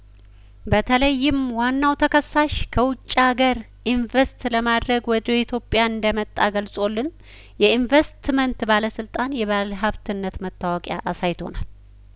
በተለይም ዋናው ተከሳሽ ከውጭ አገር ኢንቨስት ለማድረግ ወደ ኢትዮጵያ እንደመጣ ገልጾልን የኢንቨስትመንት ባለስልጣን የባለሀብትነት መታወቂያ አሳይቶናል